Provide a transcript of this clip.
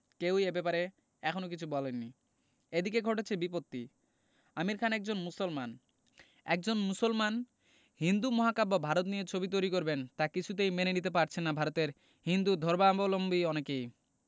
কেউই এ ব্যাপারে এখনো কিছু বলেননি এদিকে ঘটেছে বিপত্তি আমির খান একজন মুসলমান একজন মুসলমান হিন্দু মহাকাব্য ভারত নিয়ে ছবি তৈরি করবেন তা কিছুতেই মেনে নিতে পারছেন না ভারতের হিন্দুধর্মাবলম্বী অনেকেই